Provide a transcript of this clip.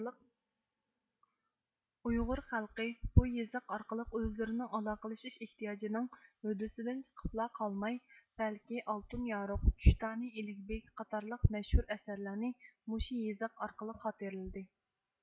ئۇيغۇر خەلقى بۇ يېزىق ئارقىلىق ئۆزلىرىنىڭ ئالاقىلىشىش ئېھتىياجىنىڭ ھۆددىسىدىن چىقىپلا قالماي بەلكى ئالتۇن يارۇق چۈشتانى ئىلىك بىگ قاتارلىق مەشھۇر ئەسەرلەرنى مۇشۇ يېزىق ئارقىلىق خاتىرىلىدى